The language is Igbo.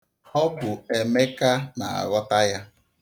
Ọ bụ Emeke na-aghota ya.